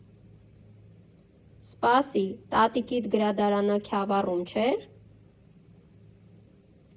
Սպասի, տատիկիդ գրադարանը Քյավառում չէ՞ր։